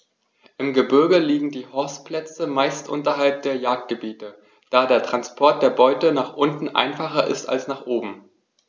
Im Gebirge liegen die Horstplätze meist unterhalb der Jagdgebiete, da der Transport der Beute nach unten einfacher ist als nach oben.